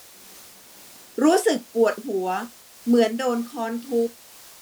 รู้สึกปวดหัวเหมือนโดนค้อนทุบ